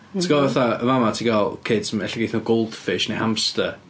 Ti'n gwbod fatha, yn fan'ma ti'n gael kids ella geithan nhw goldfish neu hamster...